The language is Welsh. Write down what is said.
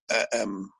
yy yym...